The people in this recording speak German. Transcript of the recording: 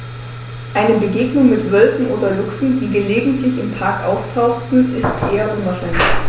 Eine Begegnung mit Wölfen oder Luchsen, die gelegentlich im Park auftauchen, ist eher unwahrscheinlich.